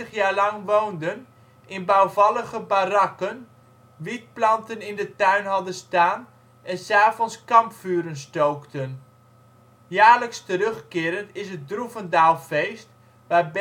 jaar lang woonden in bouwvallige barakken, wietplanten in de tuin hadden staan en ' s avonds kampvuren stookten. Jaarlijks terugkerend is het ' Droevendaalfeest ' waar